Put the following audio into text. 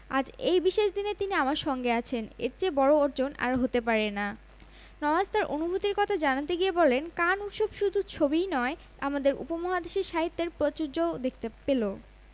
আজ এই বিশেষ দিনে তিনি আমার সঙ্গে আছেন এর চেয়ে বড় অর্জন আর হতে পারে না নওয়াজ তার অনুভূতির কথা জানাতে গিয়ে বলেন কান উৎসব শুধু ছবিই নয় আমাদের উপমহাদেশের সাহিত্যের প্রাচুর্যও দেখতে পেল